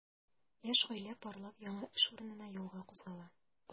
Яшь гаилә парлап яңа эш урынына юлга кузгала.